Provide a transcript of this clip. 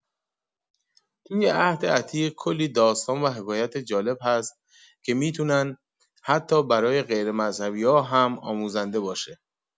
توی عهد عتیق کلی داستان و حکایت جالب هست که می‌تونن حتی برای غیرمذهبی‌ها هم آموزنده باشه.